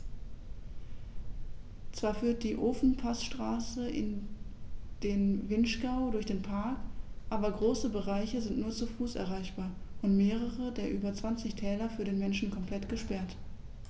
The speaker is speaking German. Zwar führt die Ofenpassstraße in den Vinschgau durch den Park, aber große Bereiche sind nur zu Fuß erreichbar und mehrere der über 20 Täler für den Menschen komplett gesperrt.